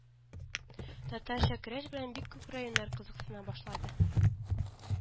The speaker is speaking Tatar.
Татарча көрәш белән бик күп районнар кызыксына башлады